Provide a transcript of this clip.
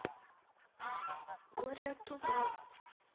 горе от ума